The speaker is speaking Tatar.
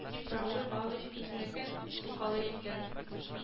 — дип рауил галыч үзенекен сукалый икән